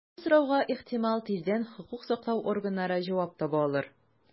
Бу сорауга, ихтимал, тиздән хокук саклау органнары җавап таба алыр.